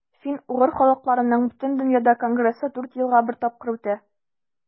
Фин-угыр халыкларының Бөтендөнья конгрессы дүрт елга бер тапкыр үтә.